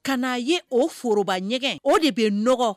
Ka n'a ye ,o foroba ɲɛgɛn o de bɛ nɔgɔ